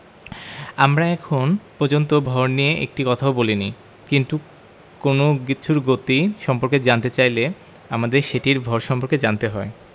আমরা এখন পর্যন্ত ভর নিয়ে একটি কথাও বলিনি কিন্তু কোনো কিছুর গতি সম্পর্কে জানতে চাইলে আমাদের সেটির ভর সম্পর্কে জানতে হয়